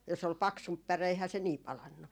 jos oli paksumpi päre eihän se niin palanut